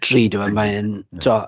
Drud yw e, mae e'n, tibod...